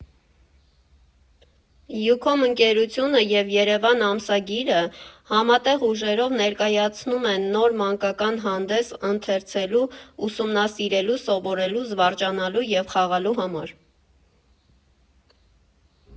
Յուքոմ ընկերությունը և ԵՐԵՎԱՆ ամսագիրը համատեղ ուժերով ներկայացնում են նոր մանկական հանդես՝ ընթերցելու, ուսումնասիրելու, սովորելու, զվարճանալու և խաղալու համար։